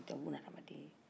nin tɛ bunahadamaden ye